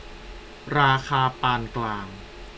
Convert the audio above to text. ราคาปานกลาง